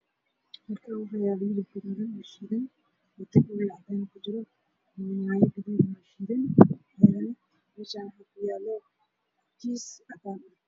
Meeshaan waxaa yaalo nool caddaalad baalgudud ah waxayna yaalaa meel bar ah